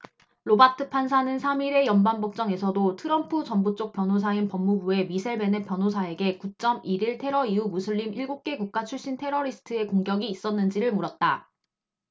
로바트 판사는 삼 일의 연방법정에서도 트럼프 정부쪽 변호사인 법무부의 미셀 베넷 변호사에게 구 쩜 일 일 테러 이후 무슬림 일곱 개국가 출신 테러리스트의 공격이 있었는지를 물었다